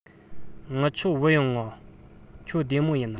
ངུ ཆོ བུད ཡོང ང ཁྱོད བདེ མོ ཡིན ན